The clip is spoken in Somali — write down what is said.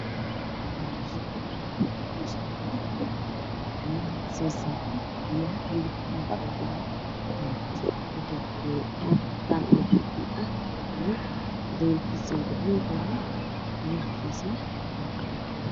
Waa shirkad biyaha soo saarto waxaa ajaalo boor oo ku sawiran yahay biyo fara badan waxaan hortaagan nin